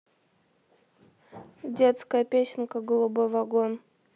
детская песенка голубой вагон